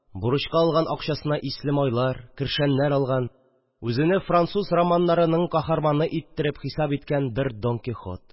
Бурычка алган акчасына исле майлар, кершәннәр алган, үзене французский романнарының каһарманы иттереп хисап иткән бер дон кихот